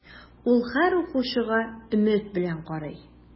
Ул һәр укучыга өмет белән карый.